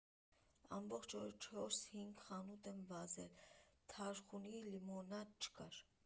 Ամբողջը օրը չորս֊հինգ խանութ եմ վազել, թարխունի լիմոնադ չկար։